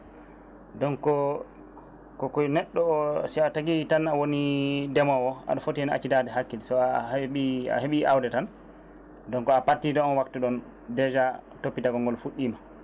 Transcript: donc koko neɗɗo o si a taagi tan a woni ndemowo aɗa footi heen accitade hakke so a heeɓi a heeɓi awde tan donc à partir de on wattu ɗon déjà toppitagol ngol fuɗɗima